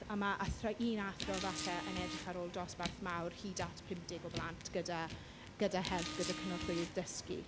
A ma' athro... Un athro efallai yn edrych ar ôl dosbarth mawr hyd at pump deg o blant gyda gyda help. Gyda cynorthwydd dysgu.